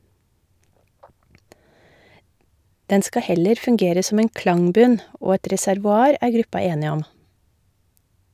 Den skal heller fungere som en klangbunn, og et reservoar, er gruppa enig om.